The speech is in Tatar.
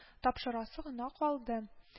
Тапшырасы калды